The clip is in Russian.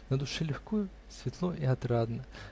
на душе легко, светло и отрадно